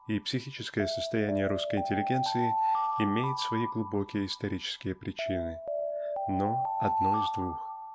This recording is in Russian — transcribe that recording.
И психическое состояние русской интеллигенции имеет свои глубокие исторические причины. Но одно из двух